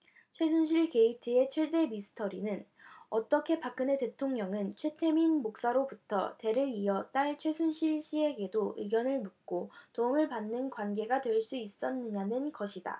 최순실 게이트의 최대 미스터리는 어떻게 박근혜 대통령은 최태민 목사로부터 대를 이어 딸 최순실씨에게도 의견을 묻고 도움을 받는 관계가 될 수 있었느냐는 것이다